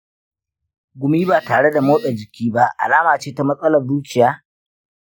gumi ba tare da motsa jiki ba alama ce ta matsalar zuciya?